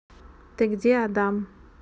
ты где адам